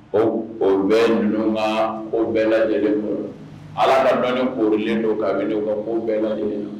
O o bɛɛ ninnu ka o bɛɛ lajɛlenlen kɔnɔ ala dɔn kolen don' bɛ ka ko bɛɛ